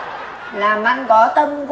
làm ăn có tâm